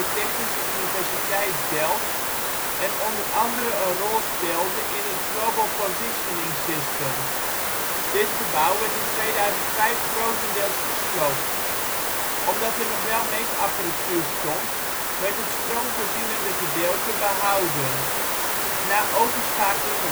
Technische Universiteit Delft en onder andere een rol speelde in het Global Positioning System. Dit gebouw werd in 2005 grotendeels gesloopt. Omdat er nog wel meetapparatuur stond werd het stroomvoorzienende gedeelte behouden. Na overschakeling